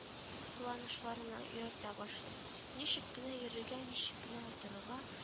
Ккыланышларына өйрәтә башлый: ничек кенә йөрергә, ничек кенә утырырга